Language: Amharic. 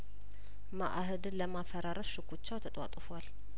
መአህድን ለማፈራረስ ሽኩቻው ተጧጡፏል